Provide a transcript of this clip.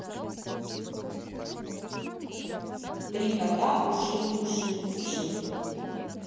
три кота ушиб ушиб ушиб